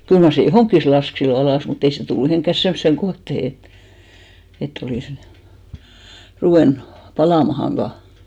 kyllä mar se johonkin laski silloin alas mutta ei se tullut mihinkään semmoiseen kohtaan että että olisi ruvennut palamaan vain